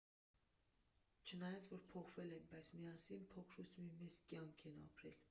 Չնայած որ փոխվել ենք, բայց միասին փոքրուց մի մեծ կյանք ենք ապրել։